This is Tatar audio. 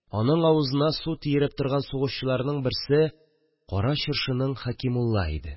Аның авызына су тиереп торган сугышчыларның берсе Кара Чыршының Хәкимулла иде